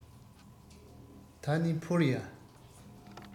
ད ནི འཕུར ཡ